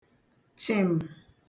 chị̀m